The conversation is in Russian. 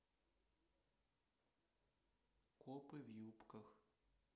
копы в юбках